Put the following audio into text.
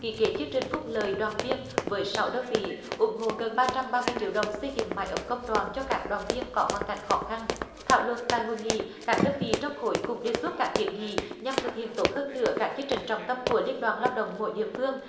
ký kết chương trình phúc lợi đoàn viên với sáu đơn vị ủng hộ gần ba trăm ba mươi triệu đồng xây dựng mái ấm công đoàn cho các đoàn viên có hoàn cảnh khó khăn thảo luận tại hội nghị các đơn vị trong khối cũng đề xuất các kiến nghị nhằm thực hiện tốt hơn nữa các chương trình trọng tâm của liên đoàn lao động mỗi địa phương